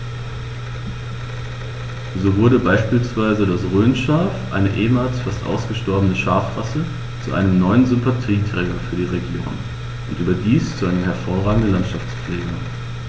So wurde beispielsweise das Rhönschaf, eine ehemals fast ausgestorbene Schafrasse, zu einem neuen Sympathieträger für die Region – und überdies zu einem hervorragenden Landschaftspfleger.